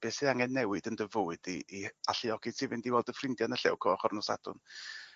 beth sydd angen newid yn dy fywyd di i alluogi ti fynd i weld dy ffrindie yn y Llew Coch ar nos Sadwrn?